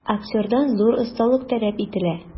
Актердан зур осталык таләп ителә.